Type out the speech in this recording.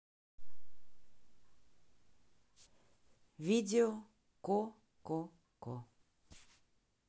видео ко ко ко